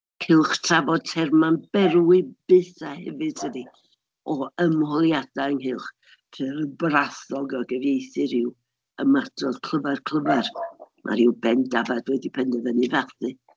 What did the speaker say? Cylch trafod termau'n berwi byth a hefyd tydi, o ymholiadau ynghylch, brathog o gyfieithu ryw ymadrodd clyfar, clyfar ma' ryw ben dafad wedi penderfynu ei fathu.